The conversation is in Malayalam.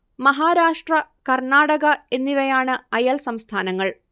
മഹാരാഷ്ട്ര കർണ്ണാടക എന്നിവയാണ് അയൽ സംസ്ഥാനങ്ങൾ